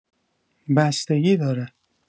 بستگی داره!